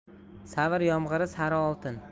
savr yomg'iri sari oltin